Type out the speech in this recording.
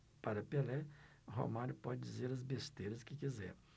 para pelé romário pode dizer as besteiras que quiser